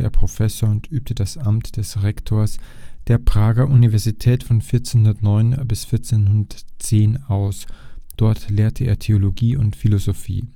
Professor und übte das Amt des Rektors der Prager Universität 1409 – 1410 aus. Dort lehrte er Theologie und Philosophie